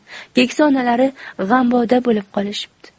keksa onalari g'amboda bo'lib qolishibdi